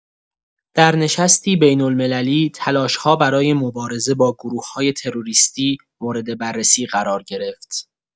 در نشستی بین‌المللی، تلاش‌ها برای مبارزه با گروه‌های تروریستی مورد بررسی قرار گرفت.